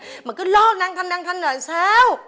mà cứ lo đan thanh đan thanh là sao